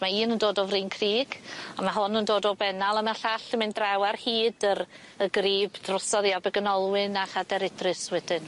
Mae un yn dod o Fryn Crug a ma' hon yn dod o Bennal a ma' llall yn mynd draw ar hyd yr y Grub drosodd i Abergynolwyn a Chader Idris wedyn.